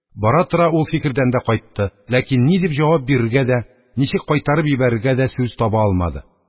Бара-тора ул фикердән дә кайтты; ләкин ни дип җавап бирергә дә, ничек кайтарып йибәрергә дә сүз таба алмады.